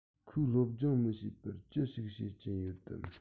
ཁོས སློབ སྦྱོང མི བྱེད པར ཅི ཞིག བྱེད ཀྱིན ཡོད དམ